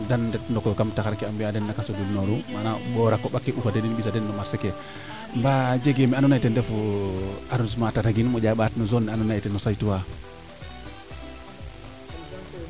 de ndatna koy kam taxar ke a mbiya den naka sudul nonu manam mbora boɓake mbisaden no marcher ke mba jege mee ando naye ten refu arrondissement Tataguine moƴa mbaat zone ne ando naye teno saytu waa